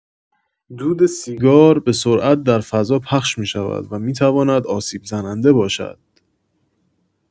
دود سیگار به‌سرعت در فضا پخش می‌شود و می‌تواند آسیب‌زننده باشد.